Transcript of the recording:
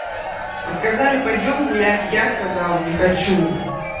а сказали пойдем гулять я сказала не хочу